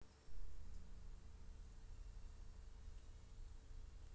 ах террора